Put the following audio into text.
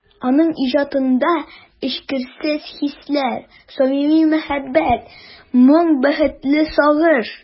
Аның иҗатында эчкерсез хисләр, самими мәхәббәт, моң, бәхетле сагыш...